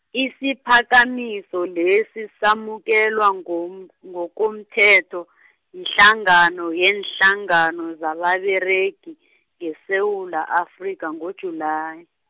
isiphakamiso lesi samukelwa ngomu- ngokomthetho yihlangano yeenhlangano zababeregi, ngeSewula Afrika ngoJulayi.